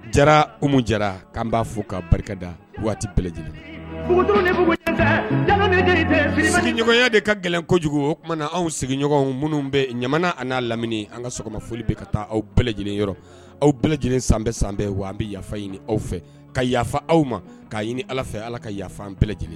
Jara komi jara k'an b'a fo ka barikada waati bɛɛ lajɛlenɲɔgɔnya de ka gɛlɛn kojugu o kumana anw sigiɲɔgɔnw minnu bɛ ɲamana n'a lamini an ka so sɔgɔma foli bɛ ka taa aw bɛɛ lajɛlen yɔrɔ aw bɛɛ lajɛlen san san bɛɛ wa an bɛ yafa ɲini aw fɛ ka yafafa aw ma' ɲini ala fɛ ala ka yafaan bɛɛ lajɛlen